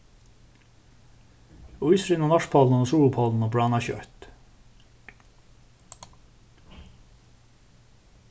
ísurin á norðpólinum og suðurpólinum bráðnar skjótt